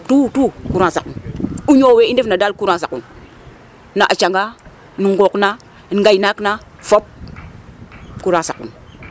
Tout tout courant saqun o ñoow ole i ndefna daal courant saqun na canga, no qooq na ,no ngaynaak na fop courant saqun.